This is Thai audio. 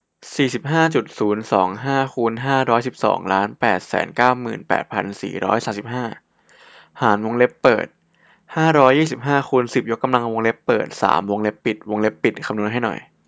สี่สิบห้าจุดศูนย์สองห้าคูณห้าร้อยสิบสองล้านแปดแสนเก้าหมื่นแปดพันสี่ร้อยสามสิบห้าหารวงเล็บเปิดห้าร้อยยี่สิบห้าคูณสิบยกกำลังวงเล็บเปิดสามวงเล็บปิดวงเล็บปิดคำนวณให้หน่อย